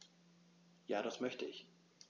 Ja, das möchte ich.